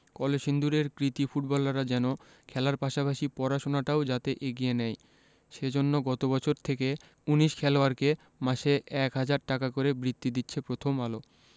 কলসিন্দুরের কৃতী ফুটবলাররা যেন খেলার পাশাপাশি পড়াশোনাটাও যাতে এগিয়ে নেয় সে জন্য গত বছর থেকে ১৯ খেলোয়াড়কে মাসে ১ হাজার টাকা করে বৃত্তি দিচ্ছে প্রথম আলো